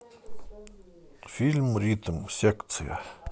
фильм ритм секция